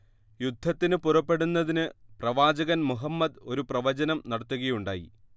യുദ്ധത്തിന് പുറപ്പെടുന്നതിന് പ്രവാചകൻ മുഹമ്മദ് ഒരു പ്രവചനം നടത്തുകയുണ്ടായി